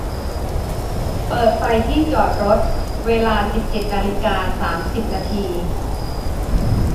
เปิดไฟที่จอดรถเวลาสิบเจ็ดนาฬิกาสามสิบนาที